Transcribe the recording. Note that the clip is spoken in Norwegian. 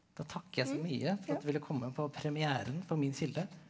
da takker jeg så mye for at du ville komme på premieren for Min kilde.